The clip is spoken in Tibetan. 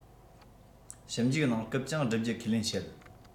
ཞིབ འཇུག གནང སྐབས ཀྱང བསྒྲུབ རྒྱུ ཁས ལེན བྱེད